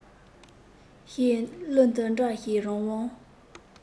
ཞེས གླུ འདི འདྲ ཞིག རང དབང